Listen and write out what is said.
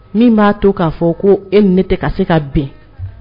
Min b'a to k'a fɔ ko e ne tɛ ka se ka bin